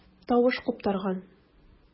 Тавыш куптарган.